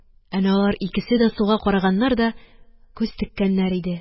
Әнә алар икесе дә суга караганнар да күз теккәннәр иде.